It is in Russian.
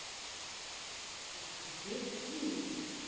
посмотреть фильмы